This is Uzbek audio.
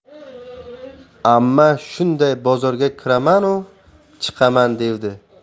amma shunday bozorga kiramanu chiqaman devdi